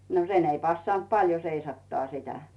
no sen ei passannut paljon seisattaa sitä